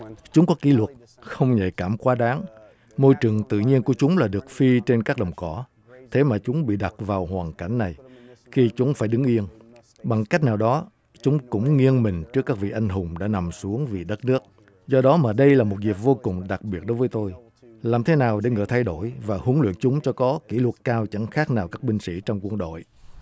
chúng có kỷ luật không nhạy cảm quá đáng môi trường tự nhiên của chúng là được phi trên các đồng cỏ thế mà chúng bị đặt vào hoàn cảnh này khi chúng phải đứng yên bằng cách nào đó chúng cũng nghiêng mình trước các vị anh hùng đã nằm xuống vì đất nước do đó mà đây là một dịp vô cùng đặc biệt đối với tôi làm thế nào để ngựa thay đổi và huấn luyện chúng cho có kỷ luật cao chẳng khác nào các binh sĩ trong quân đội